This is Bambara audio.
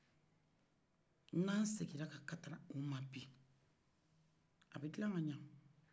n'aw segila ka kataran u ma bi a bɛ tila ka ɲa